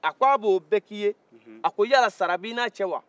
ka bo bɛɛ k'i ye a ko yala sara b'i nacɛ wa